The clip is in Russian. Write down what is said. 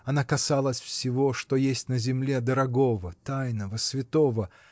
она касалась всего, что есть на земле дорогого, тайного, святого